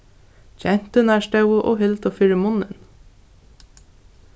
genturnar stóðu og hildu fyri munnin